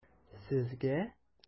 Сезгә?